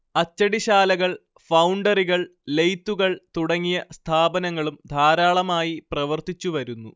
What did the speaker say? അച്ചടിശാലകൾ ഫൗണ്ടറികൾ ലെയ്ത്തുകൾ തുടങ്ങിയ സ്ഥാപനങ്ങളും ധാരാളമായി പ്രവർത്തിച്ചു വരുന്നു